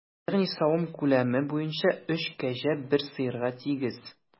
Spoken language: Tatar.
Ягъни савым күләме буенча өч кәҗә бер сыерга тигез.